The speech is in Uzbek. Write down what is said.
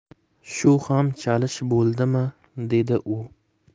shu ham chalish bo'ldimi dedi u